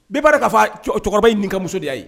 Bɛɛba' fɔ cɛkɔrɔba in nin ka muso de'a ye